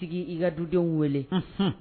Sigi i ka dudenw wele